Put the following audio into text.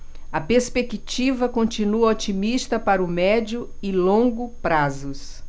a perspectiva continua otimista para o médio e longo prazos